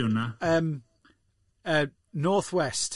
Yym yy North West.